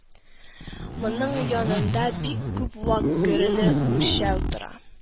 Моның янында бик күп вак герле үлчәү тора